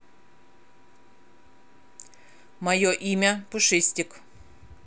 мое имя пушистик